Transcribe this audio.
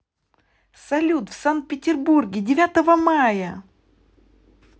салют в санкт петербурге девятого мая